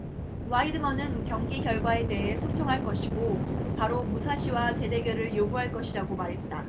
와이드먼은 경기 결과에 대해 소청할 것이고 바로 무사시와 재대결을 요구할 것이라고 말했다